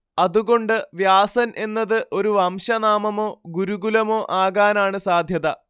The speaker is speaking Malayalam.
അതുകൊണ്ട് വ്യാസൻ എന്നത് ഒരു വംശനാമമോ ഗുരുകുലമോ ആകാനാണ് സാധ്യത